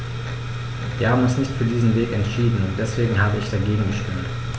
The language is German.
Wir haben uns nicht für diesen Weg entschieden, und deswegen habe ich dagegen gestimmt.